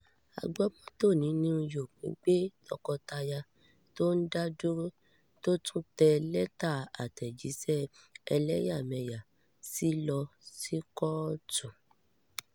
Agbọmọtọ́ ní New York gbé tọkọtaya t’ọ́n da dúró, t’ọ́n tú tẹ lẹ́tà àtẹ̀jíṣẹ́ ẹlẹ́yàmẹyà si lọ sí kọ́ọ̀tù.